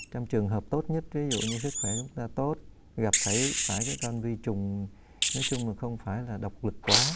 trong trường hợp tốt nhất ví dụ như sức khỏe chúng ta tốt gặp phải phải cái con vi trùng nói chung là không phải là độc lực quá